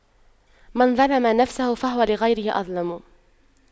من ظَلَمَ نفسه فهو لغيره أظلم